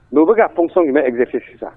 Mais u bɛ ka fonction jumɛn exercer sisan